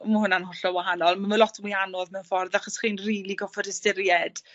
ma' hwnna'n hollol wahanol ma' wnna lot mwy anodd mewn ffordd achos chi'n rili gorffod ystyried